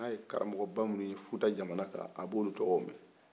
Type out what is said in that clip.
n'a ye karamɔgɔba minnu ye futa jamana kan a b'o lu mɛn